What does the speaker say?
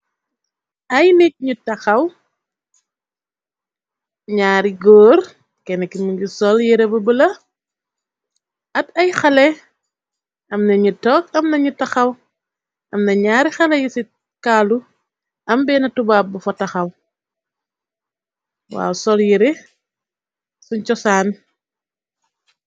ay nik ñu taxaw ñaari góor kenn ki mi ngi sol yire bu bëla at ay xale amna ñu tokg amnañu taxaw amna ñaari xale yi ci kaalu am been tubab bu fa taxaw waaw sol yire suñ cosaan.